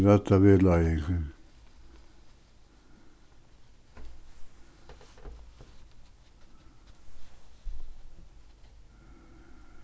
raddarvegleiðing